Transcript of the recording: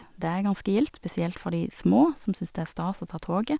Det er ganske gildt, spesielt for de små, som syns det er stas å ta toget.